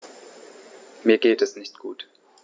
Mir geht es nicht gut.